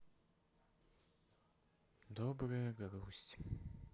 добрая грусть